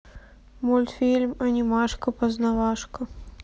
мультфильм анимашка познавашка